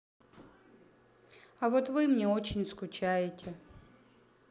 а вот вы мне очень скучаете